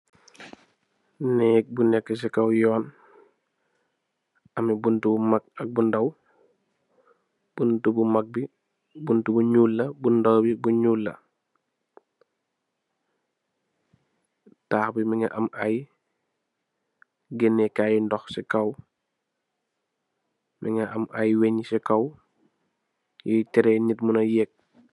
Nek bu nekk si kaw yon ameh buntu bu mak ak bu ndaw buntu bu makbi bu nyul la bu ndawbi bu nyul la takhbi mungi am ayy genekai ndoh si kaw mungi am ayy weñsi kaw yii tereh not muna yek.